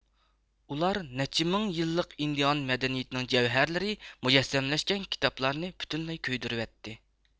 ئۇلار نەچچە مىڭ يىللىق ئىندىئان مەدەنىيىتىنىڭ جەۋھەرلىرى مۇجەسسەملەشكەن كىتابلارنى پۈتۈنلەي كۆيدۈرۈۋەتتى